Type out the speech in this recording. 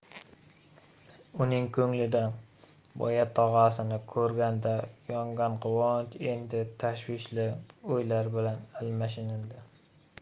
uning ko'nglida boya tog'asini ko'rganda yongan quvonch endi tashvishli o'ylar bilan almashindi